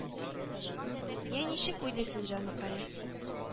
Иә, ничек уйлыйсыз, җаныкаем